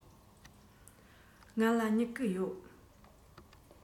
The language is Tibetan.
ང ལ སྨྱུ གུ ཡོད